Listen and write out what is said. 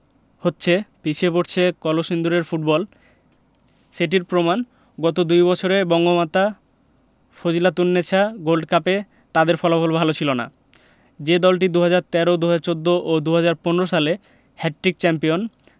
হচ্ছে পিছিয়ে পড়ছে কলসিন্দুরের ফুটবল সেটির প্রমাণ গত দুই বছরে বঙ্গমাতা ফজিলাতুন্নেছা গোল্ড কাপে তাদের ফলাফল ভালো ছিল না যে দলটি ২০১৩ ২০১৪ ও ২০১৫ সালে হ্যাটট্রিক চ্যাম্পিয়ন